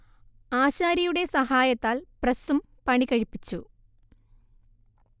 ആശാരിയുടെ സഹായത്താൽ പ്രസ്സും പണികഴിപ്പിച്ചു